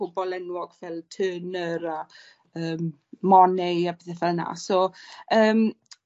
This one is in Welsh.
pobol enwog fel Turner a yym Monet a pethe ffel 'na so yym